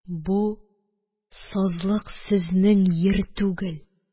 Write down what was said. Бу сазлык сезнең йир түгел.